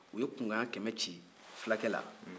u ye kunkan ɲɛ kɛmɛ ci fulakɛ la